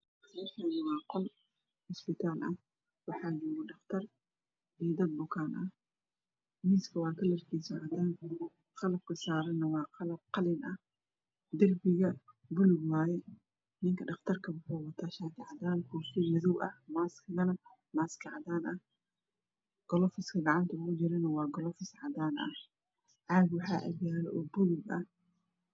Kan waa qol isbital ah waxaa jooga nin dhaqtar ah iyo dad bukan ah mis ayaa yala cadan ah miskana waxaa saran qalab qalin ah drku waxuu wata shar cadan ah iyo kofi madow ah iyo mski cadan ah iyo golofis cadan ah